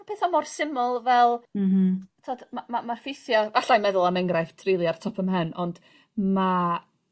petha mor syml fel... Mhm. ...t'od ma' ma' ma' ffeithia'... alla i meddwl am enghraifft rili ar top ym mhen ond ma